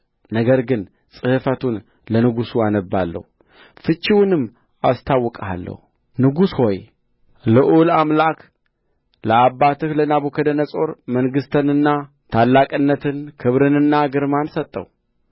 ነገር ግን ጽሕፈቱን ለንጉሡ አነብባለሁ ፍቺውንም አስታውቃለሁ ንጉሥ ሆይ ልዑል አምላክ ለአባትህ ለናቡከደነፆር መንግሥትንና ታላቅነትን ክብርንና ግርማን ሰጠው